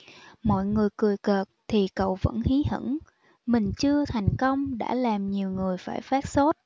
mọi người cười cợt thì cậu vẫn hí hửng mình chưa thành công đã làm nhiều người phải phát sốt